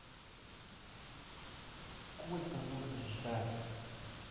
сколько можно ждать